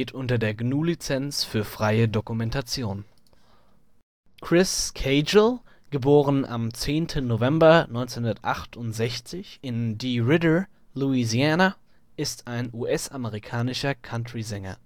unter der GNU Lizenz für freie Dokumentation. Chris Cagle (* 10. November 1968 in DeRidder, Louisiana) ist ein US-amerikanischer Country-Sänger